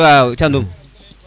waaw Thiandoum